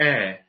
e